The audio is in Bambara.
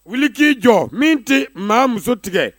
Wuli k'i jɔ min tɛ maa muso tigɛ